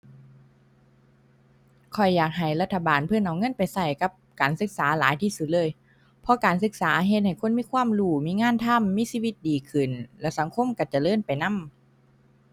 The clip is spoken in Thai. ข้อยอยากให้รัฐบาลเพิ่นเอาเงินไปใช้กับการศึกษาหลายที่สุดเลย เพราะการศึกษาเฮ็ดให้คนมีความรู้ มีงานทำ มีชีวิตดีขึ้น แล้วสังคมใช้เจริญไปนำ